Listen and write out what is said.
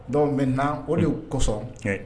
Dɔw bɛ na o de ye kosɔn